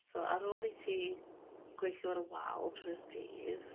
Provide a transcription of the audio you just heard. So ar ôl i ti gweithio ar y wal trwy'r dydd.